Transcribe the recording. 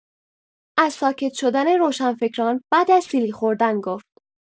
از ساکت شدن روشن‌فکران بعد از سیلی خوردن گفت.